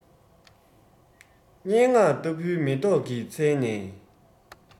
སྙན ངག ལྟ བུའི མེ ཏོག གི ཚལ ནས